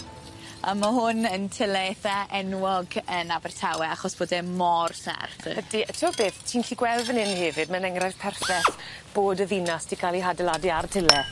A ma' hwn yn tyle itha enwog yn Abertawe achos bod e mor serth yy. Ydi a t'wo' beth ti'n gallu gweld fyn 'yn hefyd ma'n enghraifft perffeth bod y ddinas 'di ca'l 'i hadeiladu ar tyle.